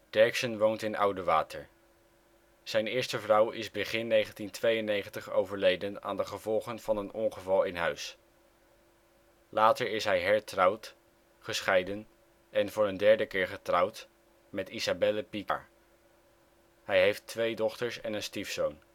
Derksen woont in Oudewater. Zijn eerste vrouw is begin 1992 overleden aan de gevolgen van een ongeval in huis. Later is hij hertrouwd, gescheiden en voor een derde keer getrouwd met Isabelle Pikaar. Hij heeft twee dochters en een stiefzoon